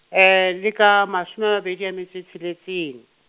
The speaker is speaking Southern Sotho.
le ka mashome a mabedi a metso e tsheletseng.